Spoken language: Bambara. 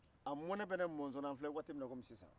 a mɔnɛ bɛ ne mɔnzɔn na an filɛ waati min na i komi sisan